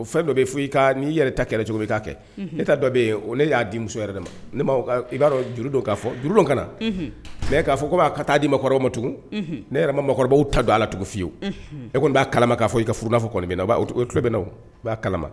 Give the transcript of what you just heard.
O fɛn dɔ bɛ fɔ i ka'i yɛrɛ ta kɛlɛ cogo bɛ'a kɛ ne ta dɔ bɛ yen o ne y'a di muso yɛrɛ de ma i b'a dɔn juru don k'a fɔ jurudon ka na mɛ' fɔ ko b'a ka taaa diikɔrɔw ma tugun ne yɛrɛ ma makɔrɔbabaww ta don a ala tugun fiye e kɔni n b'a kala k ka fɔ i ka furuurununaafɔ bɛnabɛnaw i b'a kala